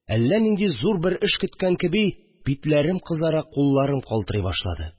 Әллә нинди зур бер эш көткән кеби, битләрем кызара, кулларым калтырый башлады